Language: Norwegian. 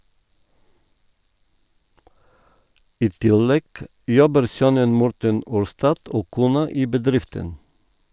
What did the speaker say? I tillegg jobber sønnen Morten Orstad og kona i bedriften.